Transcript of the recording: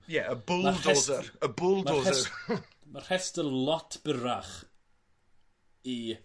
Ie y bulldozer... Ma' rhes-... ...y bulldozer. Ma' rhes- ma' rhestr lot byrrach i